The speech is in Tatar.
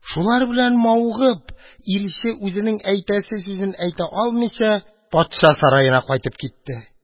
Шулар белән мавыгып, илче, үзенең әйтәсе сүзен әйтә алмыйча, патша сараена кайтып китте.